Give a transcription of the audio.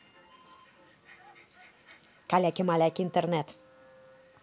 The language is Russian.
каляки маляки интернет